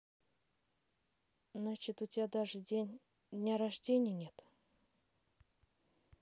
значит у тебя даже день дня рождения нет